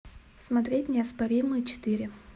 смотреть неоспоримый четыре